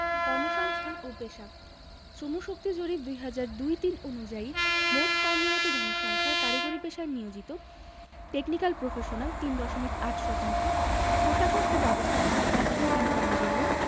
কর্মসংস্থান ও পেশাঃ শ্রমশক্তি জরিপ ২০০২ ০৩ অনুযায়ী মোট কর্মরত জনসংখ্যার কারিগরি পেশায় নিয়োজিত টেকনিকাল প্রফেশনাল ৩ দশমিক ৮ শতাংশ প্রশাসন ও ব্যবস্থাপনা এডমিন এন্ড ম্যানেজেরিয়াল